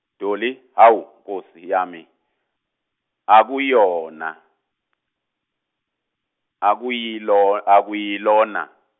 Dolly hhawu Nkosi yami, akuyona-, akuyilo- akuyilona.